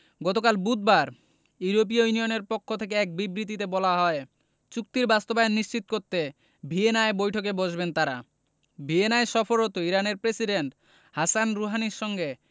গতকাল বুধবার ইউরোপীয় ইউনিয়নের পক্ষ থেকে এক বিবৃতিতে বলা হয় চুক্তির বাস্তবায়ন নিশ্চিত করতে ভিয়েনায় বৈঠকে বসবেন তাঁরা ভিয়েনায় সফররত ইরানের প্রেসিডেন্ট হাসান রুহানির সঙ্গে